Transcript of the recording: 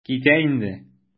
Китә инде.